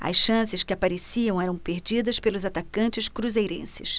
as chances que apareciam eram perdidas pelos atacantes cruzeirenses